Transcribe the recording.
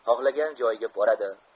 xohlagan joyiga boradi